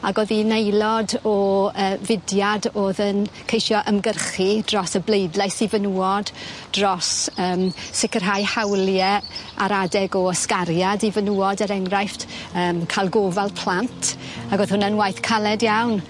ag o'dd 'i'n aelod o yy fudiad o'dd yn ceisio ymgyrchu dros y bleidlais i fenywod dros yym sicirhau hawlie ar adeg o ysgariad i fenywod er enghraifft yym ca'l gofal plant ag o'dd hwnna'n waith caled iawn.